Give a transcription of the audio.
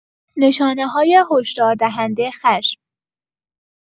نشانه‌های هشداردهنده خشم